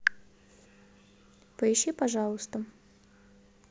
поищи пожалуйста